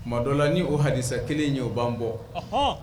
Ma dɔlɔ la ni o hasa kelen ye o b banan bɔ